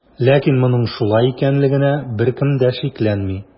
Ләкин моның шулай икәнлегенә беркем дә шикләнми.